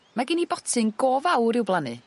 Mae gin i botyn go fawr i'w blannu